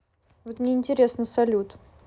вот мне интересно салют